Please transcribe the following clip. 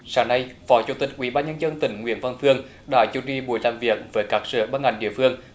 sáng nay phó chủ tịch ủy ban nhân dân tỉnh nguyễn văn phương đã chủ trì buổi làm việc với các sở ban ngành địa phương